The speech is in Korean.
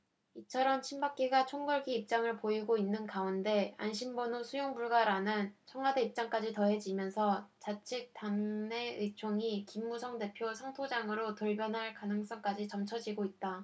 이처럼 친박계가 총궐기 입장을 보이고 있는 가운데 안심번호 수용불가라는 청와대 입장까지 더해지면서 자칫 당내 의총이 김무성 대표 성토장으로 돌변할 가능성까지 점쳐지고 있다